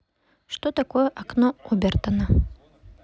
что такое окно обертона